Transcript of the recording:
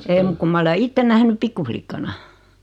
ei muuta kuin minä ole itse nähnyt pikkulikkana